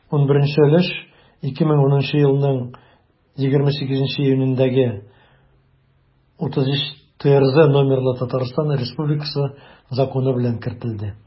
11 өлеш 2010 елның 28 июнендәге 33-трз номерлы татарстан республикасы законы белән кертелде.